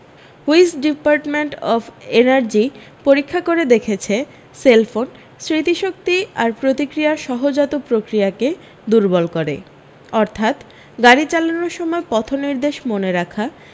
হুইস department of energy পরীক্ষা করে দেখেছে সেলফোন স্মৃতিশক্তি আর প্রতিক্রিয়ার সহজাত প্রক্রিয়াকে দুর্বল করে অর্থাৎ গাড়ী চালানোর সময় পথনির্দেশ মনে রাখা